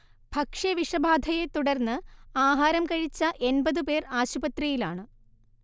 ഭക്ഷ്യ വിഷബാധയെ തുടർന്ന് ആഹാരം കഴിച്ച എൺപതു പേർ ആശുപത്രിയിലാണ്